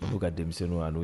U bu denmisɛnninw yan